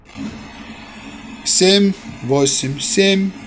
семь восемь семь